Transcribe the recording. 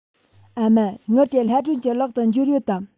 ཨ མ དངུལ དེ ལྷ སྒྲོན གྱི ལག ཏུ འབྱོར ཡོད དམ